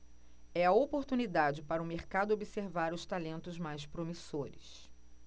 é a oportunidade para o mercado observar os talentos mais promissores